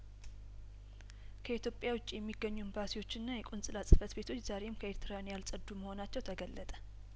ከኢትዮጵያ ውጭ የሚገኙ ኤምባሲዎችና የቆንጽላ ጽፈት ቤቶች ዛሬም ከኤርትራዊያን ያልጸዱ መሆናቸው ተገለጠ